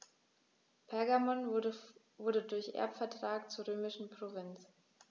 Pergamon wurde durch Erbvertrag zur römischen Provinz.